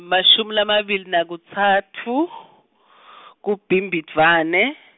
emashumi lamabili nakutsatfu , kuBhimbidvwane.